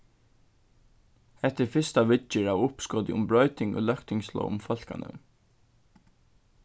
hetta er fyrsta viðgerð av uppskoti um broyting í løgtingslóg um fólkanøvn